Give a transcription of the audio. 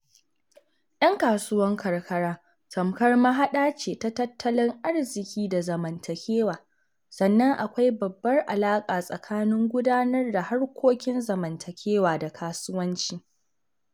Yan kasuwar karkara tamkar mahaɗa ce ta tattalin arziki da zamantakewa, sannan akwai babbar alaƙa tsakanin gudanar da harkokin zamantakewa da kasuwanci.